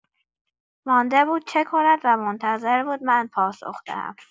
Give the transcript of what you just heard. مانده بود چه کند و منتظر بود من پاسخ دهم.